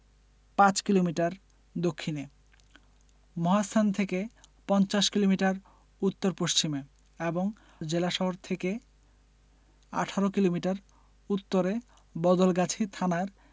৫ kilometre দক্ষিণে মহাস্থান থেকে পঞ্চাশ কিলোমিটার উত্তর পশ্চিমে এবং জেলাশহর থেকে ১৮ কিলোমিটার উত্তরে বদলগাছি থানার